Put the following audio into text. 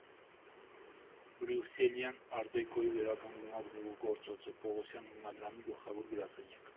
Բրյուսելյան ար֊դեկոյի վերականգնված գլուխգործոցը՝ Պողոսյան հիմնադրամի գլխավոր գրասենյակ։